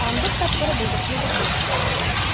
Тагын бер тапкыр булдыклылыгын күрсәтсен.